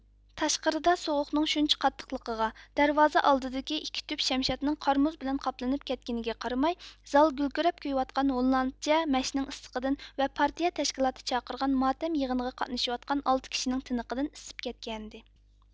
تاشقىرىدا سوغۇقنىڭ شۇنچە قاتتىقلىقىغا دەرۋازا ئالدىدىكى ئىككى تۈپ شەمشادنىڭ قار مۇز بىلەن قاپلىنىپ كەتكىنىگە قارىماي زال گۈركىرەپ كۆيۈۋاتقان ھوللاندچە مەشنىڭ ئىسسىقىدىن ۋە پارتىيە تەشكىلاتى چاقىرغان ماتەم يىغىنىغا قاتنىشىۋاتقان ئالتە كىشىنىڭ تىنىقىدىن ئىسسىپ كەتكەنىدى